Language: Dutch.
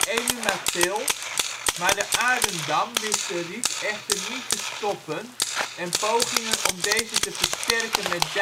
Enumatil, maar de aarden dam wist de Riet echter niet te stoppen en pogingen om deze te versterken met dijkvorken